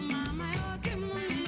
Faama tɛ